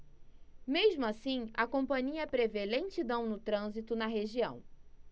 mesmo assim a companhia prevê lentidão no trânsito na região